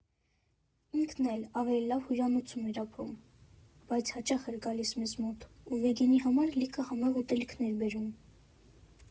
Ինքն էլ ավելի լավ հյուրանոցում էր ապրում, բայց հաճախ էր գալիս մեզ մոտ ու Վիգենի համար լիքը համեղ ուտելիքներ բերում։